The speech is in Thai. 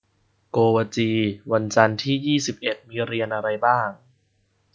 โกวาจีวันจันทร์ที่ยี่สิบเอ็ดมีเรียนอะไรบ้าง